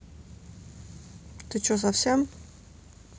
ты че совсем